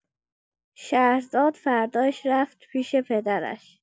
شهرزاد فرداش رفت پیش پدرش.